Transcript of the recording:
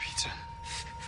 Peter.